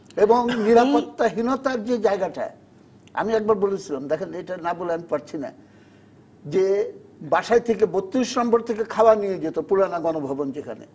এবং নিরাপত্তাহীনতার যে জায়গাটা দেখেন আমি একবার বলেছিলাম দেখেন এটা না বলে আমি পারছি না যে বাসায় থেকে ৩২ নম্বর থেকে খাবার নিয়ে যেত পুরানা গণ ভবন যেখানে